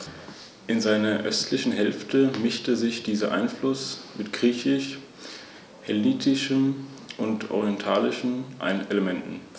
Ihr graubraunes bis schwarzes Fell kann je nach Art seidig-weich oder rau sein.